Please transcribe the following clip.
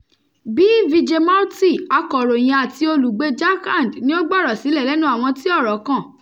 B. Vijay Murty, akọ̀ròyìn àti olùgbé Jharkhand ni ó gbọ̀rọ̀ sílẹ̀ lẹ́nu àwọn tí ọ̀rọ́ kàn.